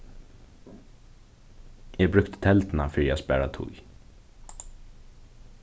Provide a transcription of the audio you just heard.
eg brúkti telduna fyri at spara tíð